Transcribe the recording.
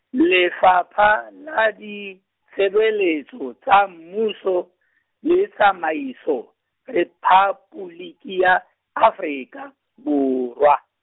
Lefapha la Ditshebeletso tsa Mmuso, le Tsamaiso, Rephaboliki ya, Afrika, Borwa.